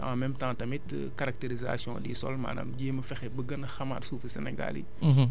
mais en même temps tamit caractérisation du sol maanaam jéem a fexe ba gën a xamaat suufu Sénégal yi